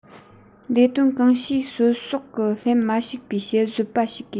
ལས དོན གང བྱས ཟོལ ཟོག གི ལྷད མ ཞུགས པའི དཔྱད བཟོད པ ཞིག དགོས